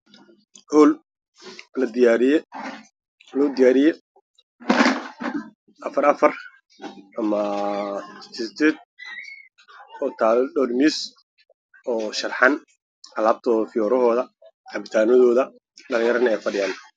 Waa hool waxaa yaalla fadhi cadaan ah